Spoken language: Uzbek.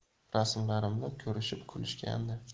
rasmlarimni ko'rishib kulishgandi